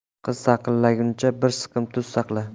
qiz saqlaguncha bir siqim tuz saqla